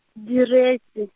diretše.